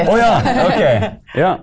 å ja, ok, ja.